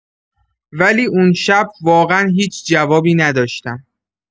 ولی اون شب واقعا هیچ جوابی نداشتم.